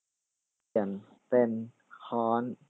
เปลี่ยนเป็นค้อน